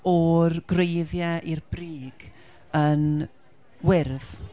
o'r gwreiddiau i'r brig yn wyrdd...